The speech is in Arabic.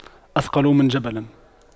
أثقل من جبل